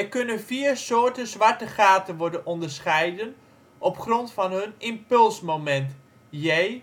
kunnen vier soorten zwarte gaten worden onderscheiden op grond van hun impulsmoment (J